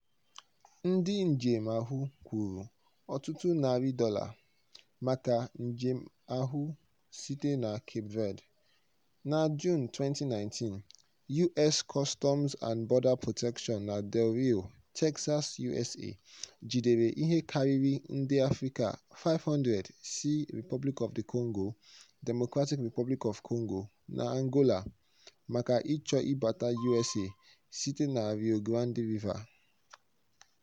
Ndị njem ahụ kwuru "ọtụtụ narị dollar" maka njem ahụ site na Cape Verde. Na Juun 2019, US Customs and Border Protection na Del Rio, Texas, USA, jidere ihe karịrị ndị Afrịka 500 si Republic of the Congo, Democratic Republic of Congo, na Angola, maka ịchọ ịbata USA site na Rio Grande River.